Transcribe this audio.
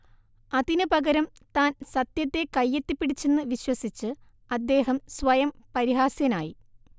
അതിന് പകരം താൻ സത്യത്തെ കയ്യെത്തിപ്പിടിച്ചെന്ന് വിശ്വസിച്ച് അദ്ദേഹം സ്വയം പരിഹാസ്യനായി